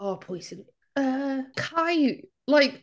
O pwy sy'n yy Cai like...